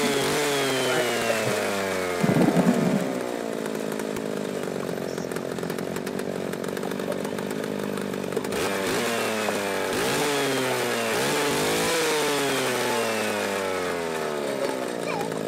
Waa saddexda nin fadhiyaan meel hool ah ku fadhiyaan kuraas cadaan ah miis caddaan ayaa horyaalo shaatiyaal caddaan ay qabaan